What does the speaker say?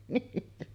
niin